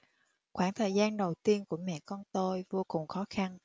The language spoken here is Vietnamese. khoảng thời gian đầu tiên của mẹ con tôi vô cùng khó khăn